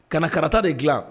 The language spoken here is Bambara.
Kana na karatata de dilan